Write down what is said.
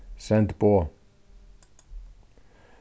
send boð